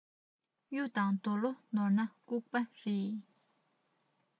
གཡུ དང དོ ལོ ནོར ན ལྐུགས པ རེད